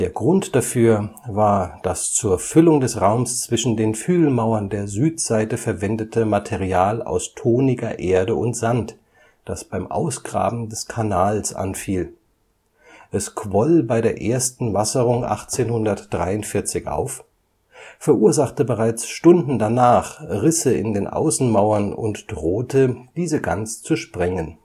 Grund dafür war das zur Füllung des Raums zwischen den Flügelmauern der Südseite verwendete Material aus toniger Erde und Sand, das beim Ausgraben des Kanals anfiel. Es quoll bei der ersten Wasserung 1843 auf, verursachte bereits Stunden danach Risse in den Außenmauern und drohte, diese ganz zu sprengen